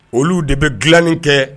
Olu de bɛ dilanni kɛ